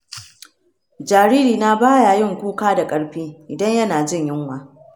jaririna baya yin kuka da ƙarfi idan yana jin yunwa.